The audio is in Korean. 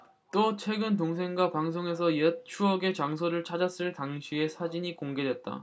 또 최근 동생과 방송에서 옛 추억의 장소를 찾았을 당시의 사진이 공개됐다